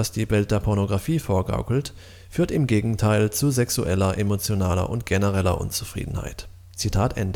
die Welt der Pornografie vorgaukelt, führt im Gegenteil zu sexueller, emotionaler und genereller Unzufriedenheit “. Es